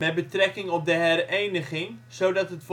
betrekking op de hereniging, zodat het